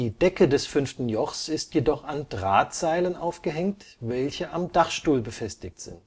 Decke des fünften Jochs ist jedoch an Drahtseilen aufgehängt, welche am Dachstuhl befestigt sind